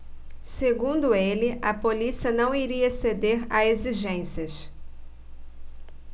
segundo ele a polícia não iria ceder a exigências